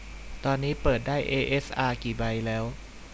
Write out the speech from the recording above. ตอนนี้เปิดได้เอเอสอากี่ใบแล้ว